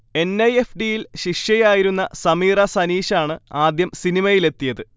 N. I. F. D. യിൽ ശിഷ്യയായിരുന്ന സമീറ സനീഷാണ് ആദ്യം സിനിമയിലെത്തിയത്